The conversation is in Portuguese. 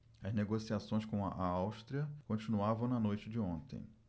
as negociações com a áustria continuavam na noite de ontem